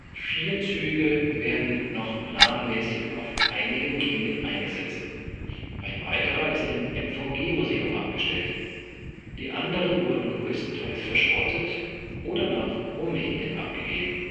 Vier Züge werden noch planmäßig auf einigen Linien eingesetzt. Ein weiterer ist im MVG Museum abgestellt. Die anderen wurden größtenteils verschrottet oder nach Rumänien abgegeben